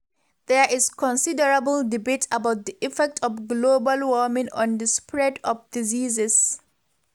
“There is considerable debate about the effect of global warming on the spread of diseases.